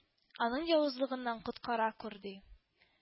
Аның явызлыгыннан коткара күр,— ди